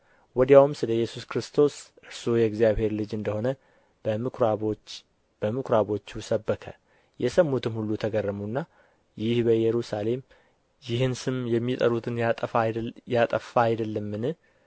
ወዲያውም ስለ ኢየሱስ ክርስቶስ እርሱ የእግዚአብሔር ልጅ እንደ ሆነ በምኵራቦቹ ሰበከ የሰሙትም ሁሉ ተገረሙና ይህ በኢየሩሳሌም ይህን ስም የሚጠሩትን ያጠፋ አይደለምን